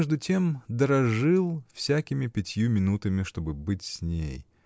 между тем дорожил всякими пятью минутами, чтобы быть с ней.